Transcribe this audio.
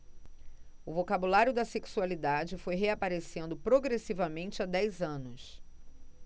o vocabulário da sexualidade foi reaparecendo progressivamente há dez anos